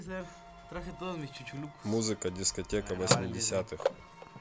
музыка дискотека восьмидесятых